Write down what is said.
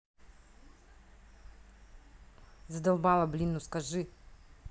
задолбала блин ну скажи